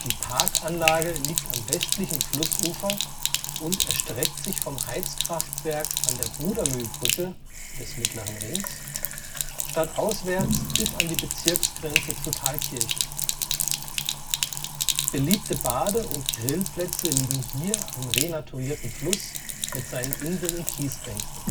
Parkanlage liegt am westlichen Flussufer und erstreckt sich vom Heizkraftwerk an der Brudermühlbrücke (Mittlerer Ring) stadtauswärts bis an die Bezirksgrenze zu Thalkirchen. Beliebte Bade - und Grillplätze liegen hier am renaturierten Fluss mit seinen Inseln und Kiesbänken